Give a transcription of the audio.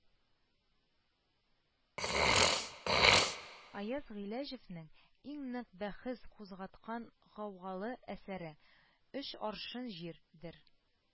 Аяз Гыйләҗевнең иң нык бәхәс кузгаткан гаугалы әсәре «Өч аршын җир»дер,